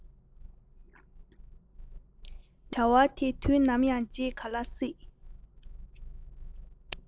དགེ བའི བཤེས གཉེན ལགས